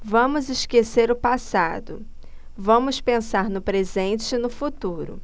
vamos esquecer o passado vamos pensar no presente e no futuro